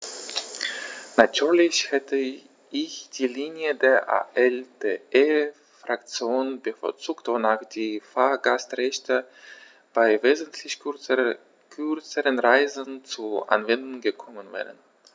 Natürlich hätte ich die Linie der ALDE-Fraktion bevorzugt, wonach die Fahrgastrechte bei wesentlich kürzeren Reisen zur Anwendung gekommen wären.